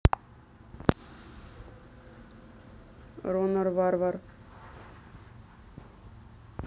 ронор варвар